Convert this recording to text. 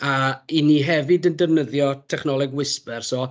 A 'y ni hefyd yn defnyddio technoleg Whisper so...